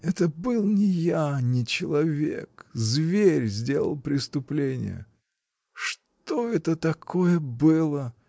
— Это был не я, не человек: зверь сделал преступление. Что это такое было!